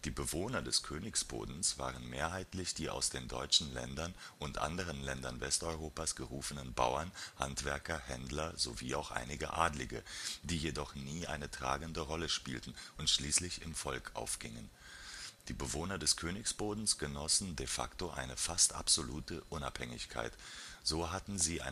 Bewohner des Königsbodens waren mehrheitlich die aus den deutschen Ländern und anderen Ländern Westeuropas gerufenen Bauern, Handwerker, Händler sowie auch einige Adlige, die jedoch nie eine tragende Rolle spielten und schließlich im Volk aufgingen. Die Bewohner des Königsbodens genossen de facto eine fast absolute Unabhängigkeit, so hatten sie